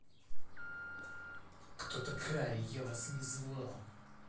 кто такая я вас не звал